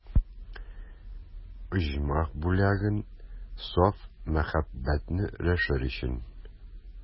Оҗмах бүләген, саф мәхәббәтне өләшер өчен.